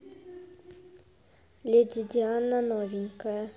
леди диана новенькая